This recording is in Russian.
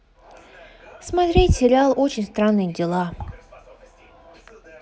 смотреть сериал очень странные дела